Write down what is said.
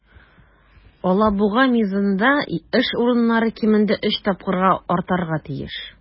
"алабуга" мизында эш урыннары кимендә өч тапкырга артарга тиеш.